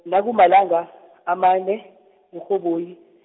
nakumalanga, amane, kuRhoboyi.